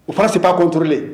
O fana c'est pas contrôlé